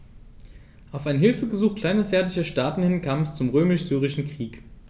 Auf ein Hilfegesuch kleinasiatischer Staaten hin kam es zum Römisch-Syrischen Krieg.